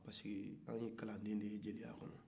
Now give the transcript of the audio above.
paseke anw ye kalandenw de ye jeliya la